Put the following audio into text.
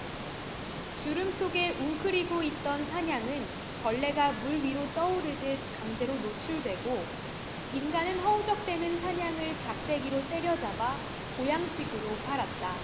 주름 속에 웅크리고 있던 산양은 벌레가 물위로 떠오르듯 강제로 노출되고 인간은 허우적대는 산양을 작대기로 때려잡아 보양식으로 팔았다